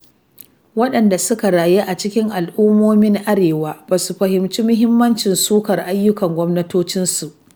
Waɗanda suka rayuwa a cikin al'ummomin arewa basu fahimci muhimmancin sukar ayyukan gwamnatocinsu.